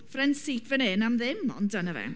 Front seat fan hyn am ddim, ond dyna fe.